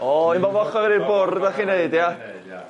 O un bob ochor i'r bwrdd 'dach chi'n neud ia?